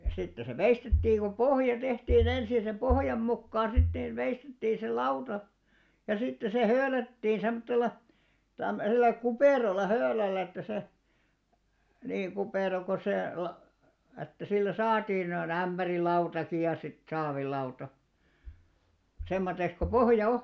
sitten se veistettiin kun pohja tehtiin ensin ja sen pohjan mukaan sitten niin veistettiin se lauta ja sitten se höylättiin semmoisella tämmöisellä kuperalla höylällä että se niin kupera kun se - että sillä saatiin noin ämpärilautakin ja sitten saavilauta semmoiseksi kuin pohja on